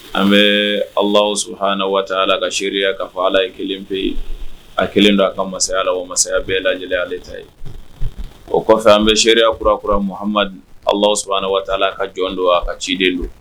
An bɛ ala su haana waala ka seya ka fɔ ala ye kelen fɛ yen a kelen don a ka masayala o masaya bɛɛ lajɛale ta ye o kɔfɛ an bɛ seya kurakura ma ala sula ka jɔn don a ka cilen don